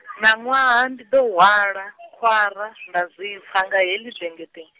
ṋaṅwaha ndi ḓo hwala, khwara, nda zwipfa nga heḽi dengetenge.